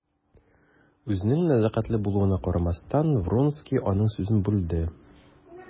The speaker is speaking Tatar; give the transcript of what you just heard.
Үзенең нәзакәтле булуына карамастан, Вронский аның сүзен бүлде.